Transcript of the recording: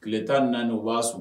Tile tan naani u b'a sun